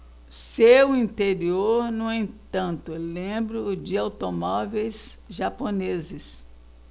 seu interior no entanto lembra o de automóveis japoneses